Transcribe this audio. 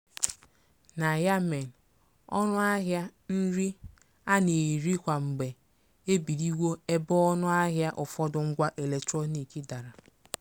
Na Yemen, ọnụ ahịa nri a na-eri kwa mgbe ebiliwo ebe ọnụ ahịa ụfọdụ ngwa eletrọnịkị dara.